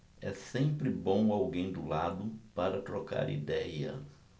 é sempre bom alguém do lado para trocar idéia